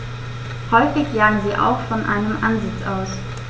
Häufig jagen sie auch von einem Ansitz aus.